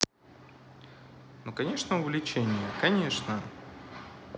ну конечно увлечение конечно